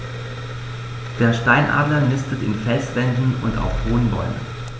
Der Steinadler nistet in Felswänden und auf hohen Bäumen.